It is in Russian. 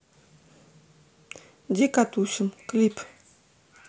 дико тусим клип